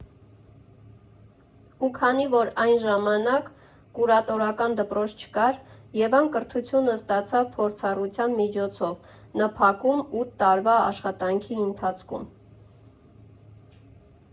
Ու քանի որ այն ժամանակ կուրատորական դպրոց չկար, Եվան կրթությունը ստացավ փորձառության միջոցով՝ ՆՓԱԿ֊ում ութ տարվա աշխատանքի ընթացքում։